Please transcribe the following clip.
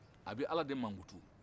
a bɛ ala de mankutu